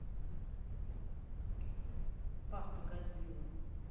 баста годзилла